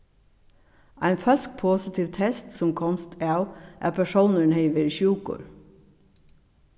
ein følsk positiv test sum komst av at persónurin hevði verið sjúkur